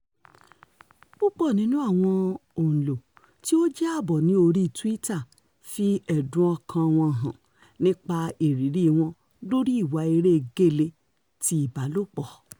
Púpọ̀ nínú àwọn òǹlò tí ó jẹ́ abo ní oríi Twitter fi ẹ̀dùn ọkàn-an wọn hàn nípa ìríríi wọn lóríi ìwà erée gélé ti ìbálòpọ̀: